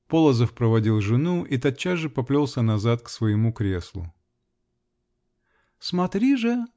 Полозов проводил жену и тотчас же поплелся назад к своему креслу. -- Смотри же!